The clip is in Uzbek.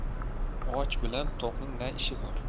och bilan to'qning na ishi bor